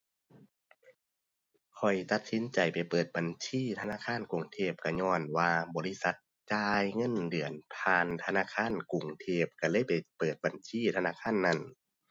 ข้อยตัดสินใจไปเปิดบัญชีธนาคารกรุงเทพ ก็ญ้อนว่าบริษัทจ่ายเงินเดือนผ่านธนาคารกรุงเทพ ก็เลยได้เปิดบัญชีธนาคารนั้น